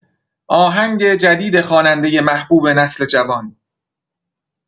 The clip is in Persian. آهنگ جدید خواننده محبوب نسل جوان